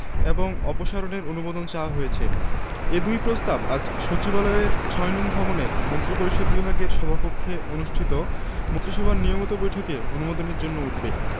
এবং অপসারণের অনুমোদন চাওয়া হয়েছে এ দুই প্রস্তাব আজ সচিবালয়ের ৬ নং ভবনের মন্ত্রিপরিষদ বিভাগের সভাকক্ষে অনুষ্ঠিত মন্ত্রিসভার নিয়মিত বৈঠকে অনুমোদনের জন্য উঠবে